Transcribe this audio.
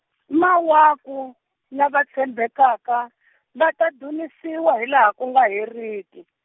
mawaku, lava tshembekaka , va ta dzunisiwa hilaha ku nga heriki.